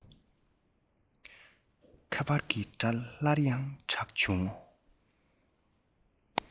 ཁ པར གྱི སྒྲ སླར ཡང གྲགས བྱུང